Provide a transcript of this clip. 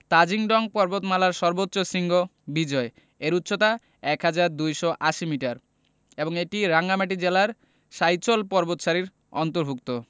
তাজিং ডং পর্বতমালার সর্বোচ্চ শৃঙ্গ বিজয় এর উচ্চতা ১হাজার ২৮০ মিটার এবং এটি রাঙ্গামাটি জেলার সাইচল পর্বতসারির অন্তর্ভূক্ত